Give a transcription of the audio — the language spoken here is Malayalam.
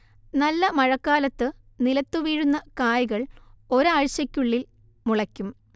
നല്ല മഴക്കാലത്തു നിലത്തുവീഴുന്ന കായ്കൾ ഒരാഴ്ചയ്ക്കുള്ളിൽ മുളയ്ക്കും